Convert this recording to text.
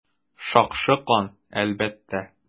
Шакшы кан, әлбәттә.